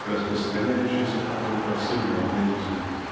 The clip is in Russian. распространяющаяся потом по всему организму.